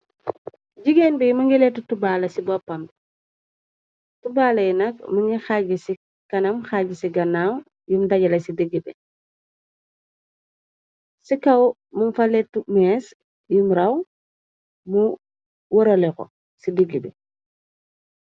Jigéen bi më ngi lettu tibaale ci boppam bi tibaale yi nak më ngi xaaji ci kanam xaaj ci gannaaw yum dajala ci digg bi ci kaw mum fa lettu mees yum raw mu wërale xo ci diggi bi.